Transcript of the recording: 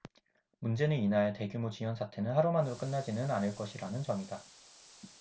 문제는 이날 대규모 지연 사태는 하루만으로 끝나지는 않을 것이라는 점이다